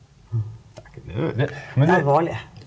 , men du?